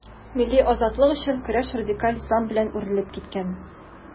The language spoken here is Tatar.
Милли азатлык өчен көрәш радикаль ислам белән үрелеп киткән.